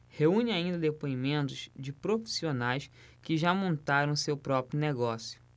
reúne ainda depoimentos de profissionais que já montaram seu próprio negócio